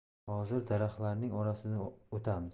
hozir barxanlarning orasidan o'tamiz